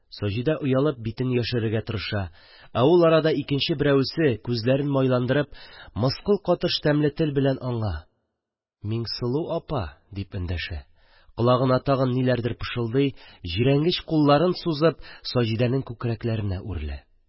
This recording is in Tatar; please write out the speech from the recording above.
Саҗидә оялып битен яшерергә тырыша, ә ул арада икенче берәүсе күзләрен майландырып, мыскыл катыш тәмле тел белән аңа: «Миңсылу апа...» – дип эндәшә, колагына тагын ниләрдер пышылдый, җирәнгеч кулларын сузып, Саҗидәнең күкрәкләренә үрелә...